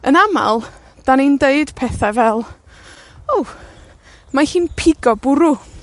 Yn amal 'dan ni'n deud pethau fel o, mae hi'n pigo bwrw.